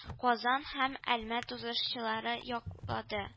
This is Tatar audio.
Казан һәм Әлмәт узышчылары яклады